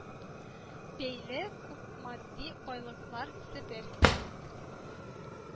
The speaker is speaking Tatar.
Бәйле күп матди байлыклар себер